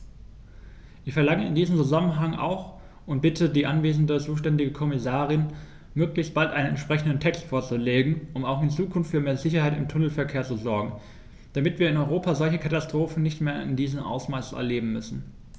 Ich verlange in diesem Zusammenhang auch und bitte die anwesende zuständige Kommissarin, möglichst bald einen entsprechenden Text vorzulegen, um auch in Zukunft für mehr Sicherheit im Tunnelverkehr zu sorgen, damit wir in Europa solche Katastrophen nicht mehr in diesem Ausmaß erleben müssen!